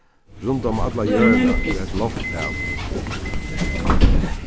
rundan um alla jørðina er eitt lofthav